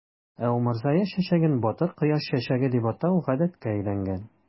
Ә умырзая чәчәген "батыр кояш чәчәге" дип атау гадәткә әйләнгән.